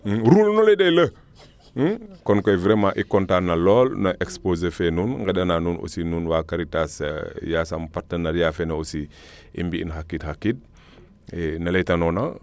ruul nu leye L kon koy vraiment i content na lool na exposer fe nuun ngenda na nuun aussi nuun wa Karitas yasam parteneriat feene aussi i mbi in xa qiid xa qiid ne leyta noona